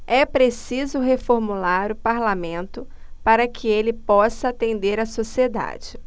é preciso reformular o parlamento para que ele possa atender a sociedade